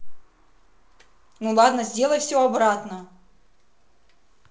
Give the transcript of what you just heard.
ну ладно сделай все обратно